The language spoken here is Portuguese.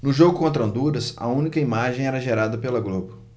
no jogo contra honduras a única imagem era gerada pela globo